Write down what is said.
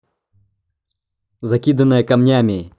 закиданная камнями